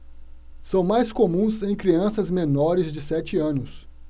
são mais comuns em crianças menores de sete anos